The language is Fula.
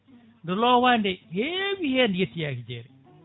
nde lowade nde ko hewi hen yettoyaki jeere